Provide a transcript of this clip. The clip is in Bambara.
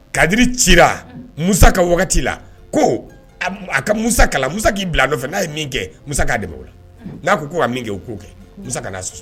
Kadi ci musa ka la ko a ka musa kala mu k'i bila dɔ fɛ n'a ye min kɛ musa k'a dɛmɛ la n'a ko ko ka min kɛ o k'o kɛ musa kana so